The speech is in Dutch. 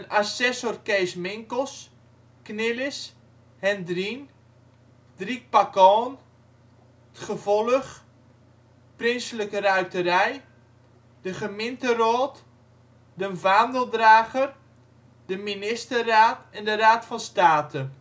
Assessor Kees Minkels Knillis Hendrien Driek Pakaon ' t Gevollug Prinselijke Ruiterij de Geminteraod d 'n Vaandeldrager de Ministerraad Raad van State